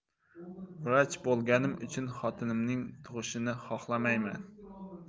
vrach bo'lganim uchun xotinimning tug'ishini xohlamayman